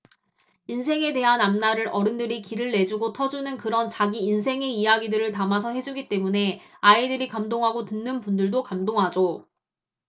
인생에 대한 앞날을 어른들이 길을 내주고 터주는 그런 자기 인생의 이야기들을 담아서 해주기 때문에 아이들이 감동하고 듣는 분들도 감동하죠